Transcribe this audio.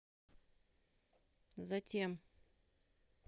затем